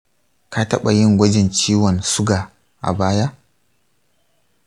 ka taɓa yin gwajin ciwon suga a baya?